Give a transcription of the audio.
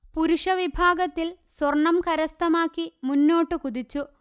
പുരുഷ വിഭാഗത്തിൽ സ്വർണ്ണം കരസ്ഥമാക്കി മുന്നോട്ടു കുതിച്ചു